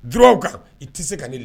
Jurɔww kan, i tɛ se ka ne